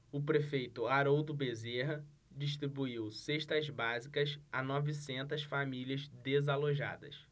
o prefeito haroldo bezerra distribuiu cestas básicas a novecentas famílias desalojadas